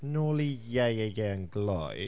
Nôl i Ie, Ie, Ie. yn glou.